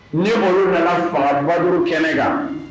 Ne malo nana fara badu kɛnɛ kan